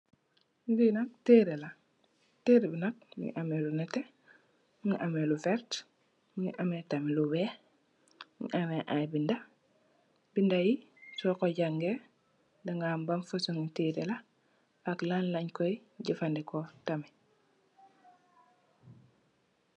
Li nak teré , teré bi nak mugii ameh lu netteh , mugii ameh lu werta , mugii ameh tamit lu wèèx, mugii ameh tamit ay bindé, bindé yi so ko jangèè di xam li ban fasungi teré la ak lan lañ koy jafandiko.